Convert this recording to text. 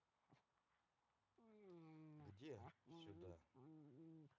где сюда